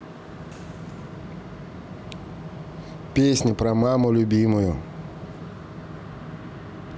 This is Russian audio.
песня про маму любимую